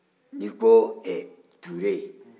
n'i ko ɛɛ ture